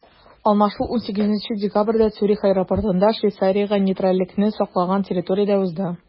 Алмашу 18 декабрьдә Цюрих аэропортында, Швейцариягә нейтральлекне саклаган территориядә узды.